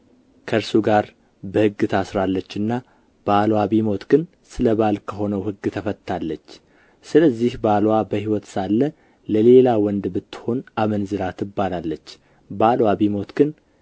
ከእርሱ ጋር በሕግ ታስራለችና ባልዋ ቢሞት ግን ስለ ባል ከሆነው ሕግ ተፈትታለች ስለዚህ ባልዋ በሕይወት ሳለ ለሌላ ወንድ ብትሆን አመንዝራ ትባላለች ባልዋ ቢሞት ግን